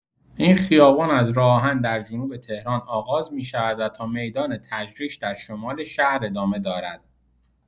این خیابان از راه‌آهن در جنوب تهران آغاز می‌شود و تا میدان تجریش در شمال شهر ادامه دارد.